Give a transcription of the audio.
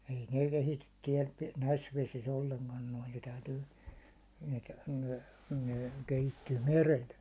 ei ne kehity täällä näissä vesissä ollenkaan noin ne täytyy ne ne kehittyy merellä